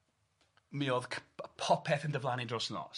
Mi o'dd c- popeth yn diflannu dros nos.